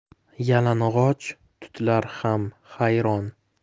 yalang'och tutlar ham hayron